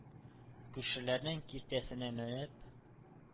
Күршеләрнең киртәсенә менеп,